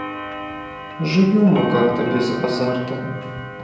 живем мы как то без азарта